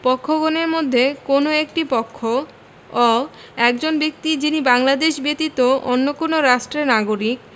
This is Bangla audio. পক্ষগণের মধ্যে কোন একটি পক্ষ অ একজন ব্যক্তি যিনি বাংলাদেশ ব্যতীত অন্য কোন রাষ্ট্রের নাগরিক